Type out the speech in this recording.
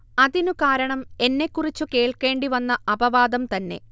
അതിനു കാരണം എന്നെക്കുറിച്ചു കേൾക്കേണ്ടി വന്ന അപവാദം തന്നെ